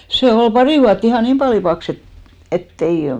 se oli pari vuotta ihan niin paljon paksu että että ei